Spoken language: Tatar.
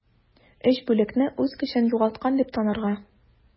3 бүлекне үз көчен югалткан дип танырга.